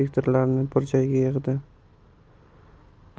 inspektorlarini bir joyga yig'di